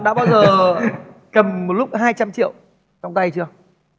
đã bao giờ cầm một lúc hai trăm triệu trong tay chưa